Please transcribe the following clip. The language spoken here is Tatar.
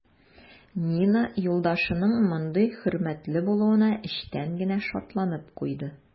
Нина юлдашының мондый хөрмәтле булуына эчтән генә шатланып куйды.